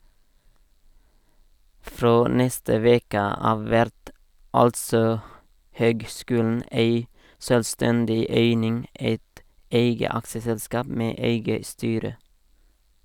Frå neste veke av vert altså høgskulen ei sjølvstendig eining , eit eige aksjeselskap med eige styre.